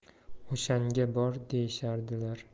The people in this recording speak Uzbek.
o'shanga bor deyishardilar